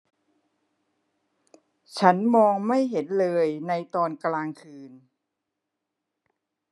ฉันมองไม่เห็นเลยในตอนกลางคืน